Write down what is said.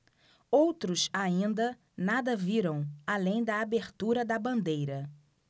outros ainda nada viram além da abertura da bandeira